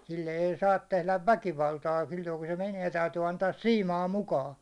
sille ei saa tehdä väkivaltaa silloin kun se menee täytyy antaa siimaa mukaan